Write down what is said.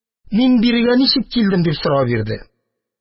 Мин бирегә ничек килдем? – дип сорау бирде.